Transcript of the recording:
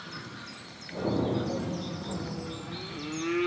ой я пукнула